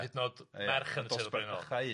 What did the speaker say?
Hyd yn oed merch yn y teulu brenhinol...